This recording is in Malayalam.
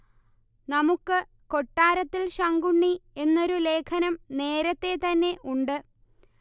നമുക്ക് കൊട്ടാരത്തിൽ ശങ്കുണ്ണി എന്നൊരു ലേഖനം നേരത്തേ തന്നെ ഉണ്ട്